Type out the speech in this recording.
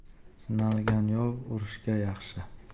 sinalgan yov urushga yaxshi